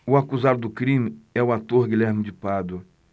o acusado do crime é o ator guilherme de pádua